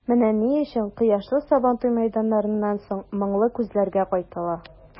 Менә ни өчен кояшлы Сабантуй мәйданнарыннан соң моңлы күзләргә кайтыла.